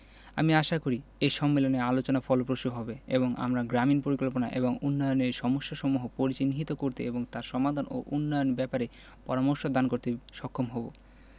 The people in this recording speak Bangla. আমি আশা করি এ সম্মেলনে আলোচনা ফলপ্রসূ হবে এবং আমরা গ্রামীন পরিকল্পনা এবং উন্নয়নের সমস্যাসমূহ পরিচিহ্নিত করতে এবং তার সমাধান ও উন্নয়ন ব্যাপারে পরামর্শ দান করতে সক্ষম হবো